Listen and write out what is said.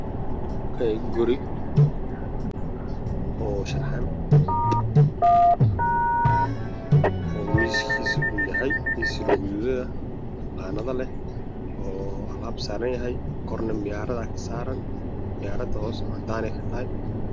Waa qol waxaa yaalo miis madow ah waxaa saaran kitaabo iyo buugaag geeska waxaa ka ifaayo mar jaalle ah